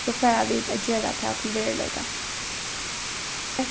so fara vit at gera tað til veruleika